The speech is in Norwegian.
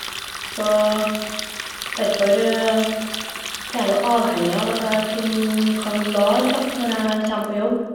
Så derfor er jeg jo avhengig av at jeg kun kan lade, da, når jeg kjem på jobb.